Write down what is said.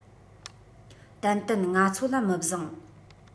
ཏན ཏན ང ཚོ ལ མི བཟང